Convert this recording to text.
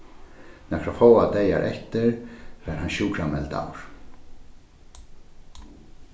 nakrar fáar dagar eftir varð hann sjúkrameldaður